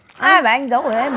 ai bảo anh giấu ở đấy